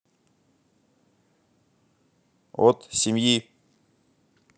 от семьи